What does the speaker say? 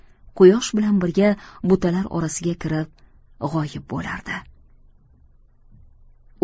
quyosh bilan birga butalar orasiga kirib g'oyib bo'lardi